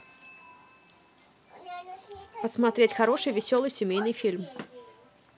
посмотреть хороший веселый семейный фильм